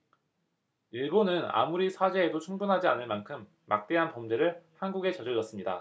일본은 아무리 사죄해도 충분하지 않을 만큼 막대한 범죄를 한국에 저질렀습니다